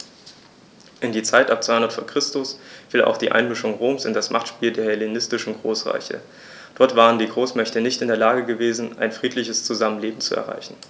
In die Zeit ab 200 v. Chr. fiel auch die Einmischung Roms in das Machtspiel der hellenistischen Großreiche: Dort waren die Großmächte nicht in der Lage gewesen, ein friedliches Zusammenleben zu erreichen.